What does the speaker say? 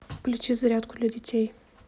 включи зарядку для детей